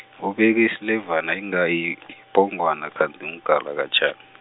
ubeke isilevana inga yi- yipongwana kanti ngugalakajana.